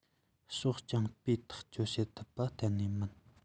ཕྱོགས རྐྱང པས ཐག གཅོད བྱེད ཐུབ གཏན ནས མིན